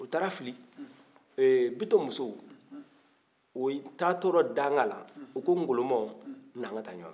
u taara a fili ee bitɔn muso o taatɔla danga na o ko ngolo ma '' na an ka taa ɲɔgɔn fɛ''